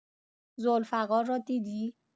ذوالفقار رو دیدی؟